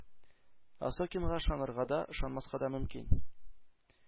Осокинга ышанырга да, ышанмаска да мөмкин.